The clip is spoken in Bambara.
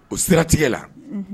O siratigɛ la